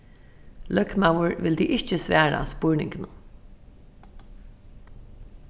løgmaður vildi ikki svara spurningunum